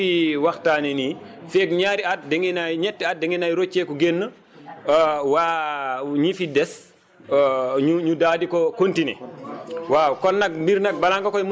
kon suñu xoolee li ngeen fi waxtaanee nii feeg ñaari at dangeen ay ñetti at dangeen ay rocceeku gànn waa ñi si des ñu ñu daal di ko continuer waaw